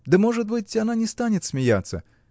— Да, может быть, она не станет смеяться.